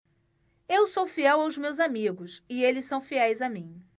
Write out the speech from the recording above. eu sou fiel aos meus amigos e eles são fiéis a mim